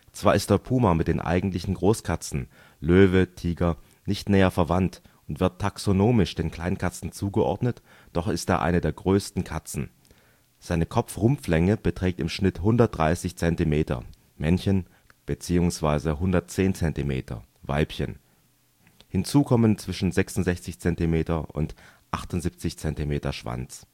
Zwar ist der Puma mit den eigentlichen Großkatzen (Löwe, Tiger) nicht näher verwandt und wird taxonomisch den Kleinkatzen zugeordnet, doch ist er eine der größten Katzen: Seine Kopfrumpflänge beträgt im Schnitt 130 cm (Männchen) beziehungsweise 110 cm (Weibchen), hinzu kommen zwischen 66 cm und 78 cm Schwanz